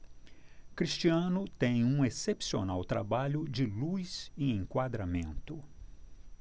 cristiano tem um excepcional trabalho de luz e enquadramento